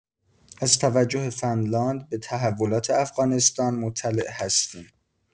از توجه فنلاند به تحولات افغانستان مطلع هستیم.